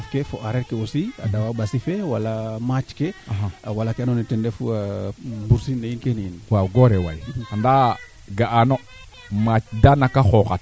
i o duga nga jeg teen xa tim xa timaxa ando naye a muca ayib xa tim xa paax daal no ndiigo duufan fasaaɓ aussi nete duuf tel o fi'a ngiran